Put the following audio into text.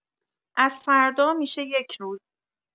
از فردا می‌شه یک روز